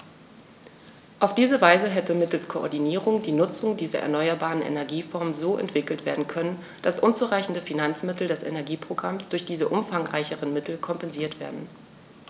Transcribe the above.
Auf diese Weise hätte mittels Koordinierung die Nutzung dieser erneuerbaren Energieformen so entwickelt werden können, dass unzureichende Finanzmittel des Energieprogramms durch diese umfangreicheren Mittel kompensiert werden.